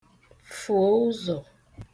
fùo ụzọ̀